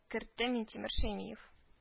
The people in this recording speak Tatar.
Кертте минтимер шәймиев